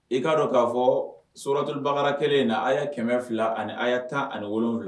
I k'a dɔn k'a fɔ soratulibakarara kɛlen in na a ye kɛmɛ fila ani'' tan ani wolon wolonwula